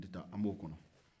dɔnki an b'o kɔnɔ